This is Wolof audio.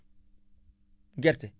gerte